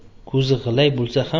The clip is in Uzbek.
ko'zi g'ilay bo'lsa ham